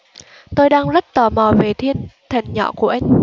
tôi đang rất tò mò về thiên thần nhỏ của anh